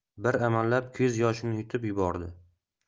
bir amallab ko'z yoshini yutib yubordi